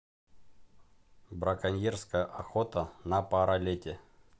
браконьерская охота на паралете